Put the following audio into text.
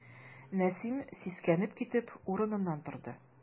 Нәсим, сискәнеп китеп, урыныннан торды.